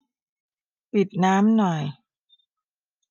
ปิดน้ำหน่อย